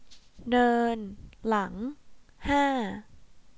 เดินหลังห้า